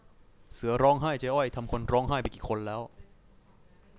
เสือร้องไห้เจ๊อ้อยทำคนร้องไห้ไปกี่คนแล้ว